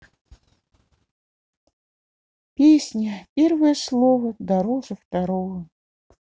песня первое слово дороже второго